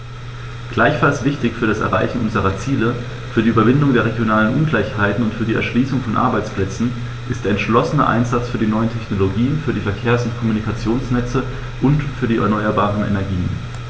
Gleichfalls wichtig für das Erreichen unserer Ziele, für die Überwindung der regionalen Ungleichheiten und für die Erschließung von Arbeitsplätzen ist der entschlossene Einsatz für die neuen Technologien, für die Verkehrs- und Kommunikationsnetze und für die erneuerbaren Energien.